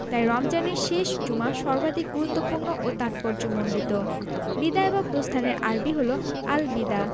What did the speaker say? তাই রমজানের শেষ জুমা সর্বাধিক গুরুত্বপূর্ণ ও তাৎপর্যমণ্ডিত বিদায় বা প্রস্থানের আরবি হলো আল বিদা